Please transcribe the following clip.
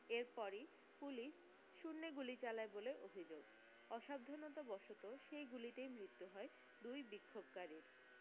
এরপরি police শূন্যে গুলি চালায় বলে অভি্যোগ অসাবধানতা বশত সেই গুলিতেই মৃত্যু হয় দুই বিক্ষোভকারীর